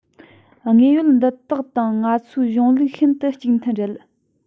དངོས དོན འདི དག དང ང ཚོའི གཞུང ལུགས ཤིན ཏུ གཅིག མཐུན རེད